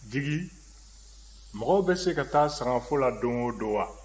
jigi mɔgɔw bɛ se ka taa sangafo la don o don wa